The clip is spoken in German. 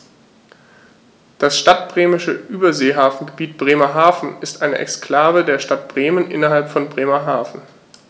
Das Stadtbremische Überseehafengebiet Bremerhaven ist eine Exklave der Stadt Bremen innerhalb von Bremerhaven.